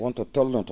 won to toolnotoo